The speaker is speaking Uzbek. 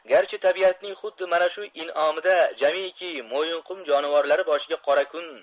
garchi tabiatning xuddi mana shu in'omida jamiyki mo'yinqum jonivorlari boshiga qora kun